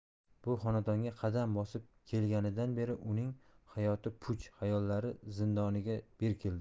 bu xonadonga qadam bosib kelganidan beri uning hayoti puch xayollar zindoniga berkildi